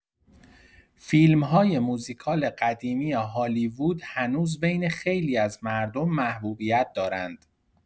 فیلم‌های موزیکال قدیمی هالیوود هنوز بین خیلی از مردم محبوبیت دارند.